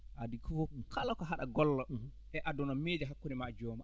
adi koo fof kala ko haɗa golla e aduna miijo hakkunde maa e joom maa